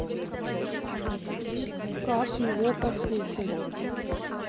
как его послушать